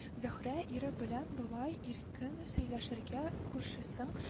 Зөһрә ире белән болай иркен сөйләшергә, күршесен